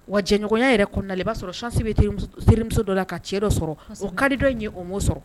Wa jɛɲɔgɔnya yɛrɛ kɔnɔna na, i b'a sɔrɔ chance bɛ terimuso dɔ la ka cɛ dɔ sɔrɔ o ka di dɔ in ye, o ma sɔrɔ.